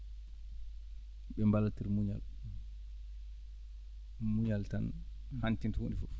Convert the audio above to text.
ɓe ballonntira muñal muñal tan hantite woni fof